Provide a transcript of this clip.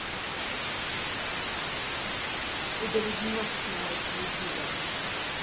удалить нахуй с моего телевизора